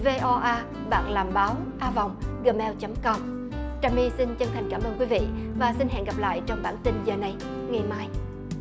vê o a bạn làm báo a vòng gờ meo chấm com trà my xin chân thành cảm ơn quý vị và xin hẹn gặp lại trong bản tin giờ này ngày mai